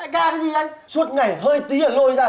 đại ca cái gì anh suốt ngày hơi tí là lôi ra